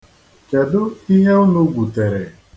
Kedụ ihe unu gwutere?